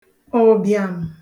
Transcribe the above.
ụ̀bịàm